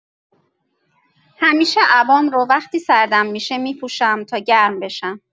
همیشه عبام رو وقتی سردم می‌شه می‌پوشم تا گرم بشم.